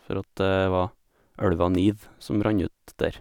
For at det var elva Nid som rant ut der.